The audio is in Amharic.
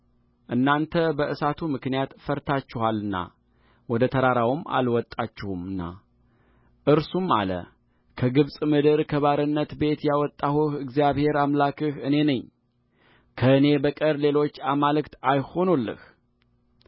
እናንተ በእሳቱ ምክንያት ፈርታችኋልና ወደ ተራራውም አልወጣችሁምና እርሱም አለከግብፅ ምድር ከባርነት ቤት ያወጣሁህ እግዚአብሔር አምላክህ እኔ ነኝከእኔ በቀር ሌሎች አማልክት አይሁኑልህ